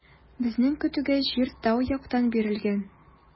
Безнең көтүгә җир тау яктан бирелгән.